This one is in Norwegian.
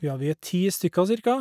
Ja, vi er ti stykker, cirka.